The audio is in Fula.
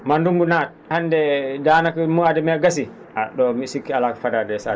maa ndunngu naata hannde danaka mois de mai gasii a ?o mbi?o sikki alaa ko fadaa dee Sadio Dème